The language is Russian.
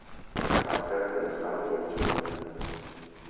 концерт александра дюмина